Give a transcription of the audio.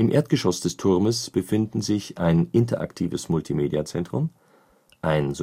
Erdgeschoss des Turmes befinden sich ein interaktives Multimedia-Zentrum, ein